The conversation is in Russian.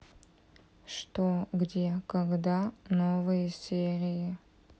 что где когда новые серии